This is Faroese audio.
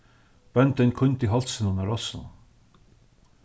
bóndin kíndi hálsinum á rossinum